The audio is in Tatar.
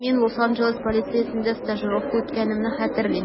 Мин Лос-Анджелес полициясендә стажировка үткәнемне хәтерлим.